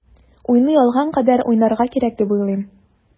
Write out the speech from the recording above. Уйный алган кадәр уйнарга кирәк дип уйлыйм.